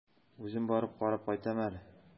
Үзем барып карап кайтам әле.